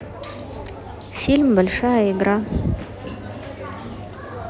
фильм большая игра